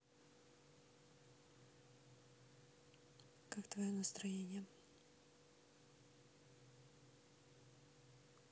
как твое настроение